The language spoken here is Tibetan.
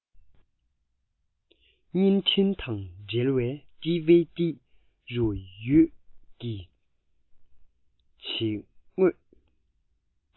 བརྙན འཕྲིན དང སྦྲེལ བའི རུ བོད ཀྱི བྱེས སྡོད